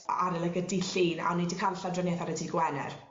ar y like y dydd Llun a o'n i 'di ca'l y llawdrinieth ar y dy' Gwener